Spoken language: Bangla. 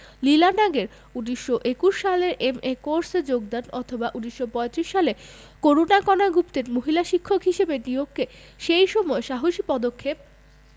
লীলা নাগের ১৯২১ সালে এম.এ কোর্সে যোগদান অথবা ১৯৩৫ সালে করুণাকণা গুপ্তের মহিলা শিক্ষক হিসেবে নিয়োগকে সেই সময়ে সাহসী পদক্ষেপ